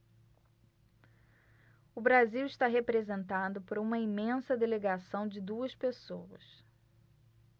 o brasil está representado por uma imensa delegação de duas pessoas